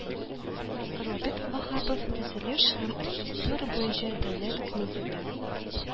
Роберт Ваһапов, төзелеш һәм архитектура буенча дәүләт комитеты